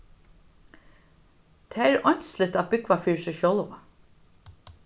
tað er einsligt at búgva fyri seg sjálva